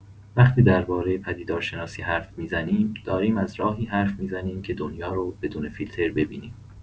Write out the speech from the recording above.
وقتی درباره پدیدارشناسی حرف می‌زنیم، داریم از راهی حرف می‌زنیم که دنیا رو بدون فیلتر ببینیم.